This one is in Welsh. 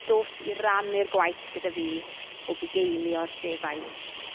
Dos i rannu'r gwaith gyda fi o fugeilio'r defaid.